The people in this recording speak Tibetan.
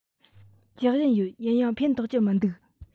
རྒྱག བཞིན ཡོད ཡིན ཡང ཕན ཐོགས ཀྱི མི འདུག